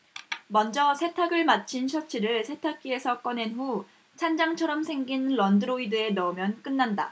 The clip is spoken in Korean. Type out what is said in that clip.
먼저 세탁을 마친 셔츠를 세탁기에서 꺼낸 후 찬장처럼 생긴 런드로이드에 넣으면 끝난다